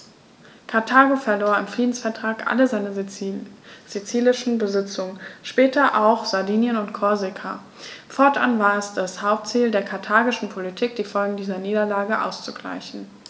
Karthago verlor im Friedensvertrag alle seine sizilischen Besitzungen (später auch Sardinien und Korsika); fortan war es das Hauptziel der karthagischen Politik, die Folgen dieser Niederlage auszugleichen.